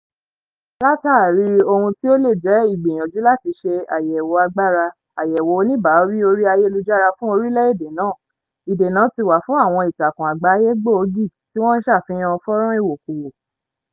Látààrí ohun tí ó lè jẹ́ ìgbìyànjú láti ṣe àyẹ̀wò agbára àyẹ̀wò oníbàáwí orí ayélujára fún orílẹ̀-èdè náà, ìdènà ti wà fún àwọn ìtakùn àgbáyé gbóògì tí wọ́n ń ṣàfihàn fọ́nràn ìwòkuwò.